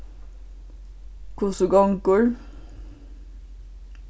hvussu gongur